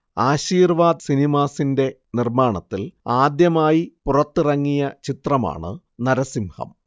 ആശീർവാദ് സിനിമാസിന്റെ നിർമ്മാണത്തിൽ ആദ്യമായി പുറത്തിറങ്ങിയ ചിത്രമാണ് നരസിംഹം